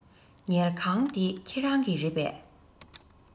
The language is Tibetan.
ཉལ ཁང འདི ཁྱེད རང གི རེད པས